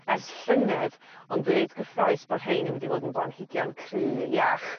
ers llynedd ond dwi reit gyffrous bo' rhein y mynd i fod yn blanhigion cry iach.